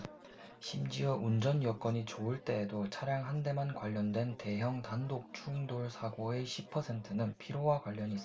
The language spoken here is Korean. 심지어 운전 여건이 좋을 때에도 차량 한 대만 관련된 대형 단독 충돌 사고의 십 퍼센트는 피로와 관련이 있었다